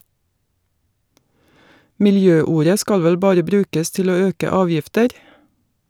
Miljøordet skal vel bare brukes til å øke avgifter?